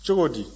cogo di